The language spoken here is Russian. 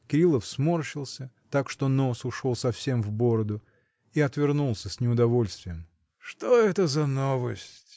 Кирилов сморщился, так что нос ушел совсем в бороду, — и отвернулся с неудовольствием. — Что это за новость!